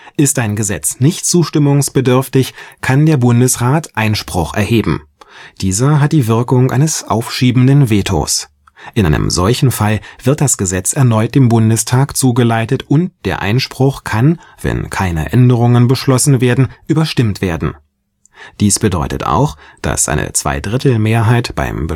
Ist ein Gesetz nicht zustimmungsbedürftig, kann der Bundesrat Einspruch erheben. Dieser hat die Wirkung eines aufschiebenden Vetos. In einem solchen Fall wird das Gesetz erneut dem Bundestag zugeleitet und der Einspruch kann – wenn keine Änderungen beschlossen werden – überstimmt werden. Dies bedeutet auch, dass eine Zweidrittelmehrheit beim